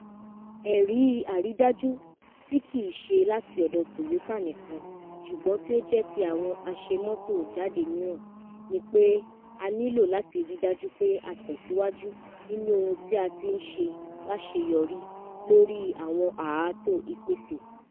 "Ẹ̀rí àrídájú tí kìíṣe láti ọ̀dọ̀ Toyotà nìkan ṣùgbọ́n tí ó jẹ́ ti àwọn àṣemọ́tò jáde míràn ní pé a nílò láti rí dájú pé a tẹ̀síwájú nínú ohun tí a ti ńṣe láṣeyọrílórí àwọn ààtò ìpèsè.”